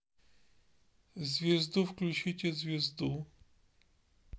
звезду включите звезду